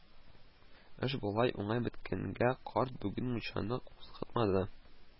Эш болай уңай беткәнгә карт бүген мунчаны кузгатмады